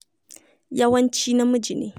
Yawanci namiji ne.